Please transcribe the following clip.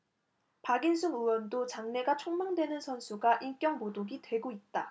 박인숙 의원도 장래가 촉망되는 선수가 인격모독이 되고 있다